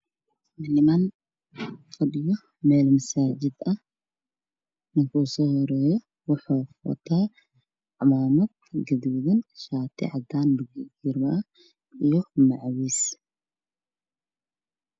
Niman marayo meel masaajid ah wata shati cagaaran cimaamad cover iyo khamiis guduudan iyo macawis